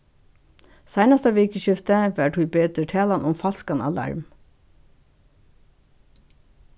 seinasta vikuskiftið var tíbetur talan um falskan alarm